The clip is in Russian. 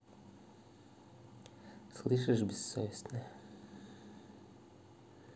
слышишь бессовестная